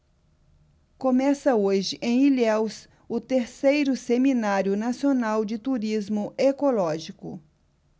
começa hoje em ilhéus o terceiro seminário nacional de turismo ecológico